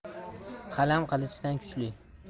qalam qilichdan kuchli